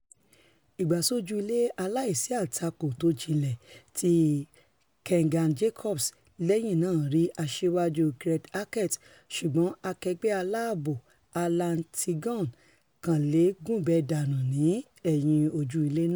Ìgbásójú-ilé aláìsí-àtakò tójinlẹ̀ ti Keaghan Jacobs lẹ́yìn náà rí asíwáju Craig Halkett ṣùgbọ́n akẹgbẹ́ aláàbò rẹ̀ Alan Lithgow kàn leè gúnbẹ dànù ní ẹ̀yìn ojú-ilé náà.